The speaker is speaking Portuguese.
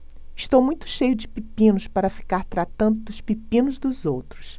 estou muito cheio de pepinos para ficar tratando dos pepinos dos outros